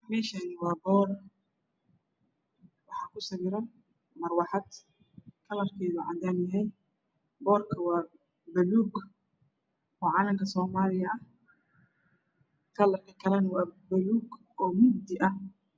Meshani waa boor waxa kusawiran muraxad kalarkedu cadan yahay boorka waa baluug oo calanka somaalia ah kalarka kale waa baluug mugdi ah